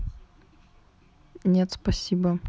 нет спасибо